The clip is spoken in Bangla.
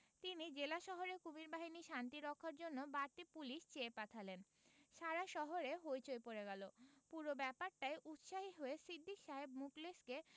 তিনি জেলা শহরে কুমীর বাহিনী শান্তি রক্ষার জন্যে বাড়তি পুলিশ চেয়ে পাঠালেন সারা শহরে হৈ চৈ পড়ে গেল পুরো ব্যাপারটায় উৎসাহী হয়ে সিদ্দিক সাহেব মুখলেসকে